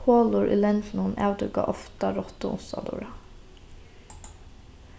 holur í lendinum avdúka ofta rottu uttandura